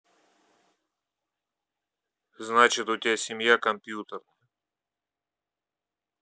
значит у тебя семья компьютерная